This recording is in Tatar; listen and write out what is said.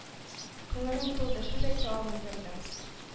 Күңелем тулды, сүз әйтә алмый тордым.